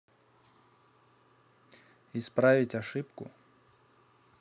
исправить ошибку